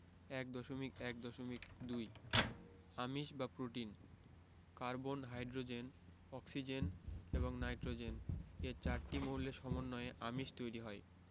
১.১.২ আমিষ বা protein carbon hydrogen oxygen এবং নাইট্রোজেন এ চারটি মৌলের সমন্বয়ে আমিষ তৈরি হয়